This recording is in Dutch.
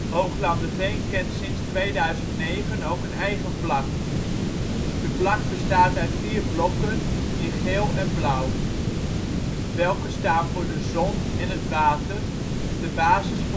Hooglanderveen kent sinds 2009 ook een eigen vlag. De vlag bestaat uit vier blokken in geel en blauw, welke staan voor de zon en het water, de basis